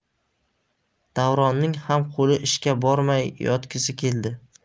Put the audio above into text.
davronning ham qo'li ishga bormay yotgisi keldi